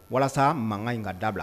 Walasa mankan in ka dabila